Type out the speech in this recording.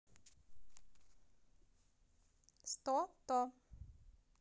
сто то